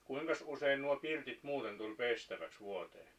kuinkas usein nuo pirtit muuten tuli pestäväksi vuoteen